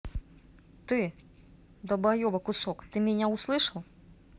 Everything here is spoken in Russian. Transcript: ты долбоеба кусок ты меня услышал